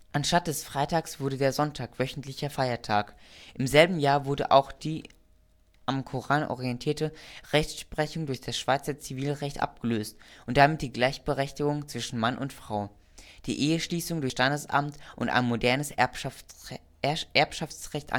Anstatt des Freitags wurde der Sonntag wöchentlicher Feiertag. Im selben Jahr wurde auch die am Koran orientierte Rechtsprechung durch das Schweizer Zivilrecht abgelöst und damit die Gleichberechtigung zwischen Mann und Frau, die Eheschließung durch das Standesamt und ein modernes Erbschaftsrecht eingeführt. Als